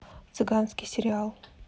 цыганский сериал